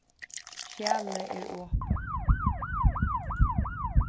skjalið er opið